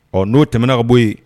Ɔ n'o tɛmɛna ka bɔ yen